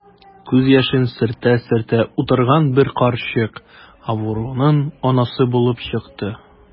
Күз яшен сөртә-сөртә утырган бер карчык авыруның анасы булып чыкты.